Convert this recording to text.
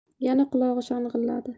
yana qulog'i shang'illadi